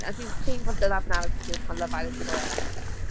A dwi'n pleased mae dyna'r narrative mae Love Island 'di rhoi allan.